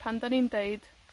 pan 'dan ni'n deud